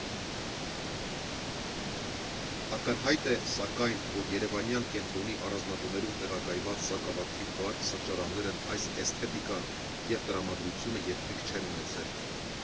Ակնհայտ է, սակայն, որ երևանյան Կենտրոնի առանձնատներում տեղակայված սակավաթիվ բար֊սրճարաններն այս էսթետիկան և տրամադրությունը երբեք չեն ունեցել։